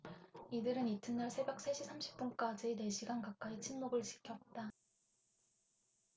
이들은 이튿날 새벽 세 시 삼십 분까지 네 시간 가까이 침묵을 지켰다